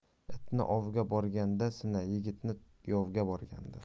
itni ovga borganda sina yigitni yovga borganda